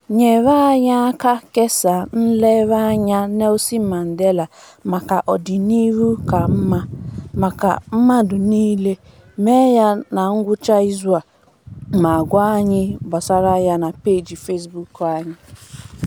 Nyere anyị aka kesaa nlereanya Nelson Mandela maka ọdịnihu ka mma maka mmadụ niile, mee ya na ngwụcha izu a, ma gwa anyị gbasara ya na peeji Facebook anyị.